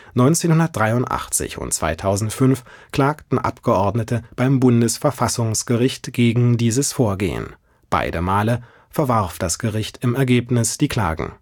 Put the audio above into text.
1983 und 2005 klagten Abgeordnete beim Bundesverfassungsgericht gegen dieses Vorgehen. Beide Male verwarf das Gericht im Ergebnis die Klagen